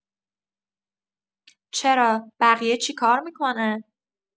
چرا، بقیه چی کار می‌کنن؟